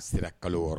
A sera kalo wɔɔrɔ